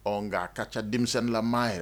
Ɔ nka a ka ca denmisɛnninlamaa yɛrɛ